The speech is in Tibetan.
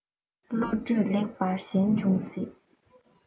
བློ གྲོས ལེགས པ གཞན འབྱུང སྲིད